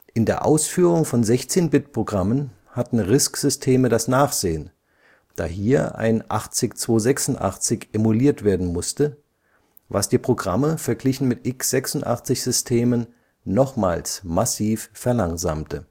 In der Ausführung von 16-Bit-Programmen hatten RISC-Systeme das Nachsehen, da hier ein 80286 emuliert werden musste, was die Programme verglichen mit x86-Systemen nochmals massiv verlangsamte